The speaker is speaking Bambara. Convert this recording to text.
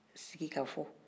sigika fɔ